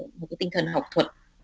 cái tinh thần học thuật